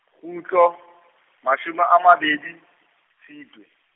kgutlo, mashome a mabedi, Tshitwe.